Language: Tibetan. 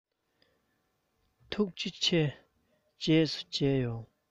ཐུགས རྗེ ཆེ རྗེས སུ མཇལ ཡོང